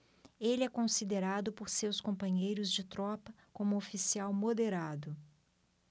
ele é considerado por seus companheiros de tropa como um oficial moderado